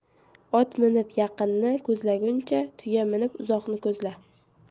ot minib yaqinni ko'zlaguncha tuya minib uzoqni ko'zla